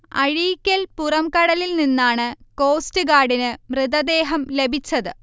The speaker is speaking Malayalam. അഴീക്കൽ പുറംകടലിൽ നിന്നാണ് കോസ്റ്റ്ഗാർഡിന് മൃതദേഹം ലഭിച്ചത്